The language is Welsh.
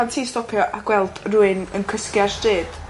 ...pan ti'n stopio a gweld rywun yn cysgu ar stryd?